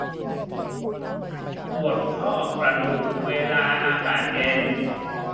ปวดข้อกระดูกเวลาอากาศเย็น